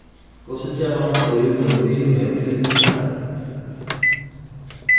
hvussu ger mann slím við lími og glitri